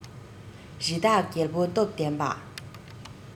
རི དྭགས རྒྱལ པོ སྟོབས ལྡན པ